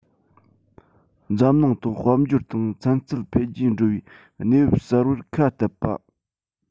འཛམ གླིང ཐོག དཔལ འབྱོར དང ཚན རྩལ འཕེལ རྒྱས འགྲོ བའི གནས བབ གསར བར ཁ གཏད པ